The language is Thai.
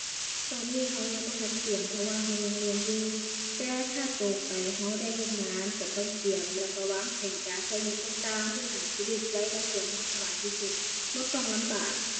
ตอนนี้เรายังบ่ทันเตรียม เพราะว่าเรายังเรียนอยู่ แต่ถ้าโตไปเราได้เฮ็ดงานเราต้องเตรียม แล้วก็วางแผนการเราเงินต่างต่างเพื่อให้ชีวิตวัยเกษียณเราสบายที่สุด บ่ต้องลำบาก